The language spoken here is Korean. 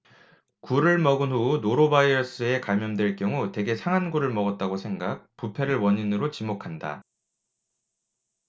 굴을 먹은 후 노로바이러스에 감염될 경우 대개 상한 굴을 먹었다고 생각 부패를 원인으로 지목한다